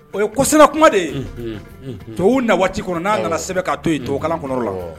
O ye ko sinanakuma de to na waatiti kɔnɔ n'a kana sɛbɛn ka to yen toka kɔnɔ la